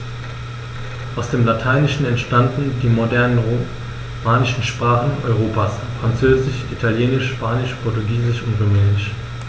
Aus dem Lateinischen entstanden die modernen „romanischen“ Sprachen Europas: Französisch, Italienisch, Spanisch, Portugiesisch und Rumänisch.